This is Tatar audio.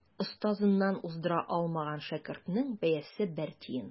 Остазыннан уздыра алмаган шәкертнең бәясе бер тиен.